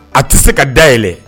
A tɛ se ka da yɛlɛɛlɛ